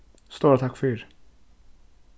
stóra takk fyri